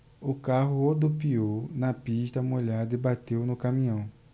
o carro rodopiou na pista molhada e bateu no caminhão